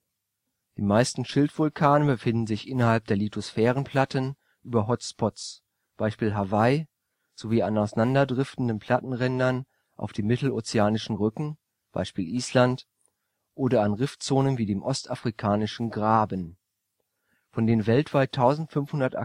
meisten Schildvulkane befinden sich innerhalb der Lithosphärenplatten über Hotspots (Beispiel Hawaiʻi) sowie an auseinander driftenden Plattenrändern auf den Mittelozeanischen Rücken (Beispiel Island) oder an Riftzonen wie dem Ostafrikanischen Graben. Von den weltweit 1500